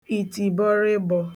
ìtìbọrịbọ̄